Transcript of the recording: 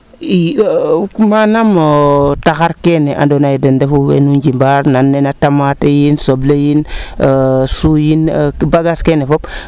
i manaam taxar keene ten refu weenu njima nan nena tomate yiin soble yiin chou yiin bagage keene fop